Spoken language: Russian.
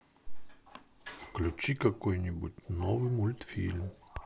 включи какой нибудь новый мультфильм